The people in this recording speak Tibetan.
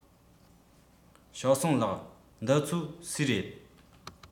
ཞའོ སུང ལགས འདི ཚོ སུའི རེད